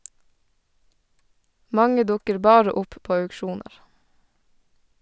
Mange dukker bare opp på auksjoner.